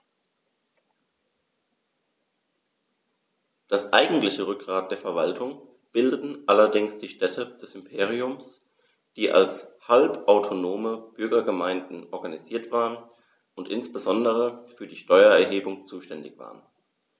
Das eigentliche Rückgrat der Verwaltung bildeten allerdings die Städte des Imperiums, die als halbautonome Bürgergemeinden organisiert waren und insbesondere für die Steuererhebung zuständig waren.